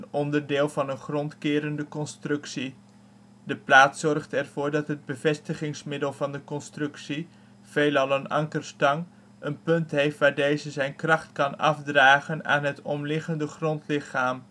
onderdeel van een grondkerende constructie. De plaat zorgt ervoor dat het bevestigingsmiddel van de constructie, veelal een ankerstang, een punt heeft waar deze zijn kracht kan afdragen aan het omliggende grondlichaam